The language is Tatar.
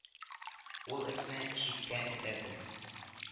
Ул этне читкә этәрде